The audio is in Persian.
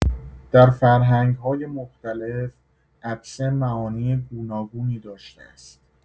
در فرهنگ‌های مختلف عطسه معانی گوناگونی داشته است.